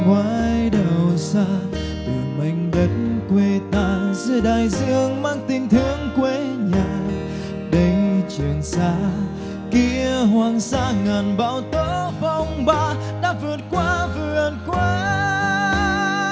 ngoài đảo xa từ mảnh đất quê ta giữa đại dương mang tình thương quê nhà đây trường sa kia hoàng sa ngàn bão tố phong ba đã vượt qua vượt qua